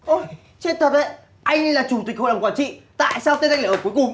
ơ chết thật í anh là chủ tịch hội đồng quản trị tại sao tên anh lại ở cuối cùng